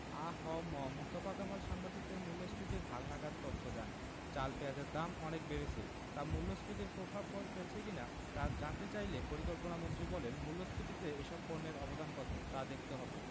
আ হ ম মুস্তফা কামাল সাংবাদিকদের মূল্যস্ফীতির হালনাগাদ তথ্য দেন চাল পেঁয়াজের দাম অনেক বেড়েছে তা মূল্যস্ফীতিতে প্রভাব ফেলছে কি না জানতে চাইলে পরিকল্পনামন্ত্রী বলেন মূল্যস্ফীতিতে এসব পণ্যের অবদান কত তা দেখতে হবে